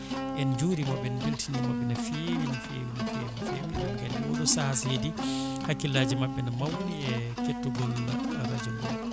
en jurimaɓe en beltanima ɗumen no feewi no fewi no fewi no fewi eɗen gandi oɗo saaha so heedi hakkillaji mabɓe ene mawni e kettogol radio ngo